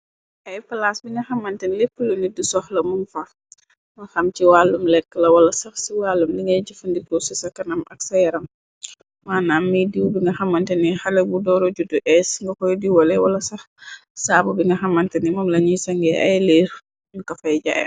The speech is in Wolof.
Ay palaas bi nga xamanteni lépp lu nit di soxla mum fax na xam ci wàllum lekk la wala sax ci wàllum dingay jëfandiko si sa kanam ak sa yaram wanam miidiiw bi nga xamante ni xale bu dooro juddu ees nga xoy diwale wala sax saab bi nga xamante ni maom lañiy sangee ay liir mi ko fay jaae.